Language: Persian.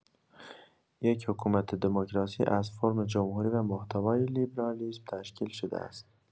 یک حکومت دموکراسی از فرم جمهوری و محتوای لیبرالیسم تشکیل شده است.